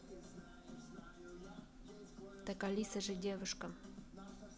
так алиса же девушка